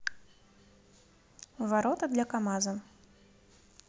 ворота для камаза